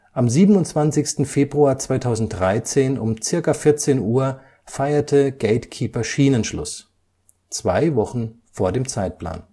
Am 27. Februar 2013 um ca. 14.00 Uhr feierte GateKeeper Schienenschluss – zwei Wochen vor dem Zeitplan